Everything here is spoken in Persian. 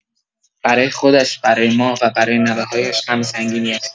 برای خودش، برای ما و برای نوه‌هایش غم سنگینی است.